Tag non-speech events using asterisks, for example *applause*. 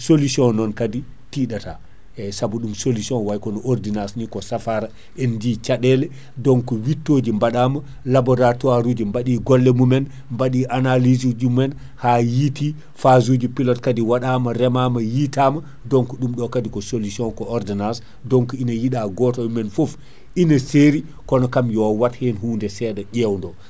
solution o non kaadi tiiɗata eyyi saabu ɗum solution o way kono no ordonance ni ko saafara en jii caɗele donc wittoji baaɗama laboratoire uji baaɗi golle mumen *breath* baɗi analyse uji mumen ha yiiti phase uji pilote akaadi waɗama reemama yitama donc ɗum ɗo kaadi ko solution ko ordonance donc ina yiiɗa goto e men foof ina seeri kono kam yo wat hen hunde seeɗa ƴewdo